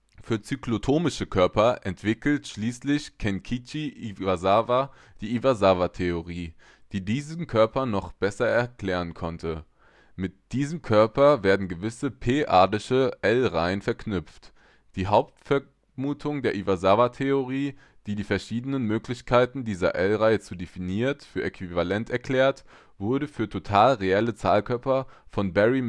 zyklotomische Körper entwickelte schließlich Kenkichi Iwasawa die Iwasawa-Theorie, die diese Körper noch besser erklären konnte. Mit diesen Körpern werden gewisse p-adische L-Reihen verknüpft. Die Hauptvermutung der Iwasawatheorie, die die verschiedenen Möglichkeiten diese L-Reihen zu definieren für äquivalent erklärt, wurde für total-reelle Zahlkörper von Barry